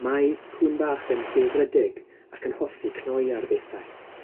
Mae cŵn bach yn chwilfrydig, ac yn hoffi cnoi ar bethau.